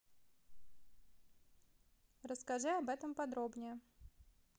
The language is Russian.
расскажи об этом подробнее